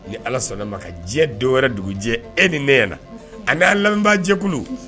Ni ala sɔnna ne ma ka jɛ dɔw wɛrɛ dugujɛ e ni ne ɲɛna na ani an lamɛnjɛkulu